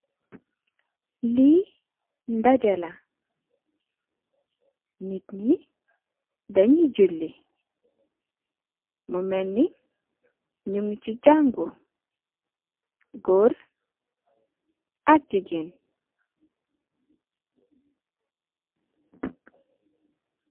Lii, ndajee la, da ñuy julli. Mu melni, ñungi jaangu, goor ak jigéen.